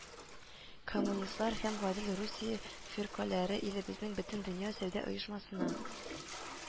Коммунистлар һәм Гадел Русия фиркаләре илебезнең Бөтендөнья сәүдә оешмасына